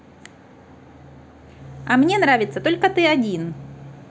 а мне нравится только ты один